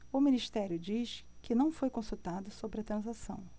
o ministério diz que não foi consultado sobre a transação